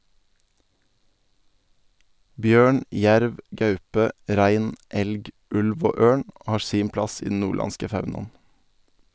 Bjørn, jerv, gaupe, rein, elg, ulv og ørn har sin plass i den nordlandske faunaen.